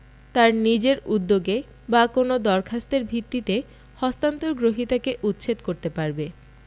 তার নিজের উদ্যোগে বা কোনও দরখাস্তের ভিত্তিতে হস্তান্তর গ্রহীতাকে উচ্ছেদ করতে পারবে